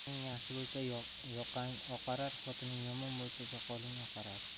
xotining yaxshi bo'lsa yoqang oqarar xotining yomon bo'lsa soqoling oqarar